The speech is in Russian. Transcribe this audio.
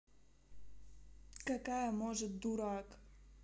какая может дурак